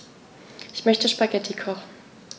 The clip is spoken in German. Ich möchte Spaghetti kochen.